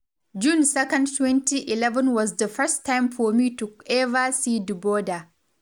June 2nd 2011 was the first time for me to ever see the border.